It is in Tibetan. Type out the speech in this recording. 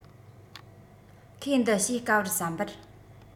ཁོས འདི ཕྱེ དཀའ བར བསམ པར